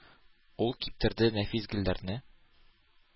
Ул киптерде нәфис гөлләрне,